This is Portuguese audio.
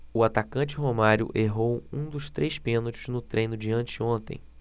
o atacante romário errou um dos três pênaltis no treino de anteontem